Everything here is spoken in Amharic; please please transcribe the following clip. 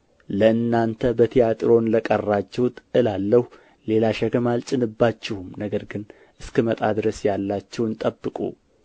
ለእናንተ በትያጥሮን ለቀራችሁት እላለሁ ሌላ ሸክም አልጭንባችሁም ነገር ግን እስክመጣ ድረስ ያላችሁን ጠብቁ